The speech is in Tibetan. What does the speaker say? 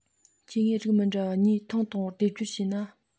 སྐྱེ དངོས རིགས མི འདྲ བ གཉིས ཐེངས དང པོར སྡེབ སྦྱོར བྱས ན